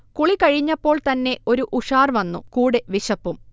കുളി കഴിഞ്ഞപ്പോൾത്തന്നെ ഒരു ഉഷാർ വന്നു കൂടെ വിശപ്പും